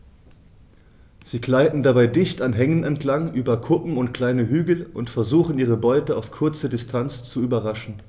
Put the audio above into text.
Sie gleiten dabei dicht an Hängen entlang, über Kuppen und kleine Hügel und versuchen ihre Beute auf kurze Distanz zu überraschen.